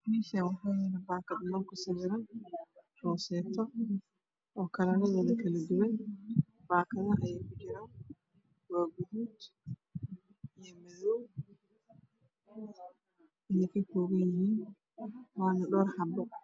Meshaan waxa ayala paakad nal ku sawiran roseeto oo kalaradeeda kaalduwan paakado ayey ku jiraan waa gaduud iyo madow ayey ka koopanyihiin wana dhowr xapo